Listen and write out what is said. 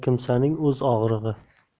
kimsaning o'z og'rig'i